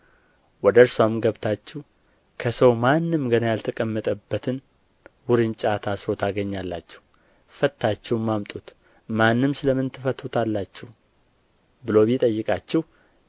ወደ እርስዋም ገብታችሁ ከሰው ማንም ገና ያልተቀመጠበት ውርንጫ ታስሮ ታገኛላችሁ ፈትታችሁም አምጡት ማንም ስለ ምን ትፈቱታላችሁ ብሎ ቢጠይቃችሁ